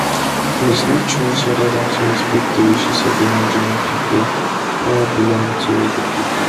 There is no choice other than to respect the wishes of the Nigerian people, power belongs to the people.